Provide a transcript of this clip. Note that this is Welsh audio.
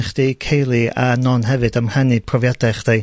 i chdi Kayleigh a Non hefyd am rhannu profiadau chdi,